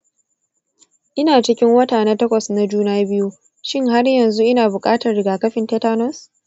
ina cikin wata na takwas na juna biyu; shin har yanzu ina buƙatar rigakafin tetanus?